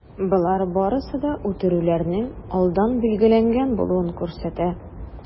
Болар барысы да үтерүләрнең алдан билгеләнгән булуын күрсәтә.